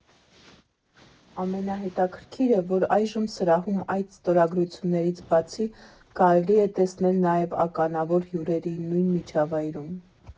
Ամենահետաքրքիրը, որ այժմ սրահում այդ ստորագրություններից բացի կարելի է տեսնել նաև ականավոր հյուրերի՝ նույն միջավայրում։